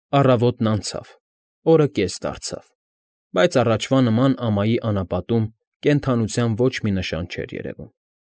Առավոտն անցավ, օրը կես դարձավ, բայց առաջվա նման ամայի անապատում կենդանության ոչ մի նշան չէր երևում։